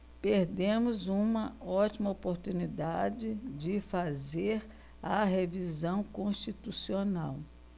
perdemos uma ótima oportunidade de fazer a revisão constitucional